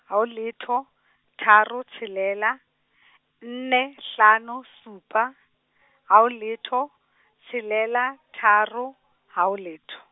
ha ho letho, tharo tshelela , nne hlano supa, ha ho letho, tshelela tharo, ha ho letho.